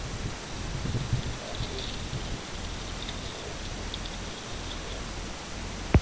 смотреть фильм остров первая часть